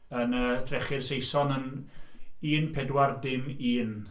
Yn yy trechu'r Saeson yn un pedwar dim un.